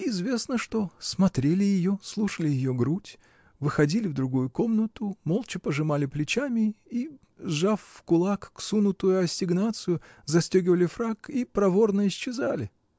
— Известно что: смотрели ее, слушали ее грудь, выходили в другую комнату, молча пожимали плечами и, сжав в кулак сунутую ассигнацию, застегивали фрак и проворно исчезали.